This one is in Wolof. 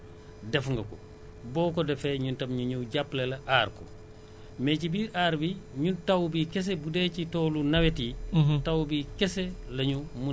lépp loo xam ne waroon nga ko def sa tool def nga ko boo ko defee ñun tam ñu ñëw jàppale la aar ko mais ci biir aar bi ñun taw bi kese bu dee ci toolu nawet yi